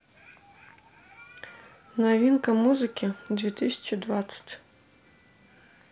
новинка музыки две тысячи двадцать